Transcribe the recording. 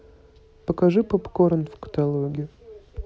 покажи попкорн в каталоге